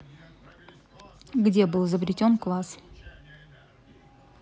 где был изобретен квас